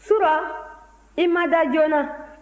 su rɔ i ma da joona